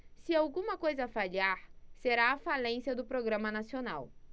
se alguma coisa falhar será a falência do programa nacional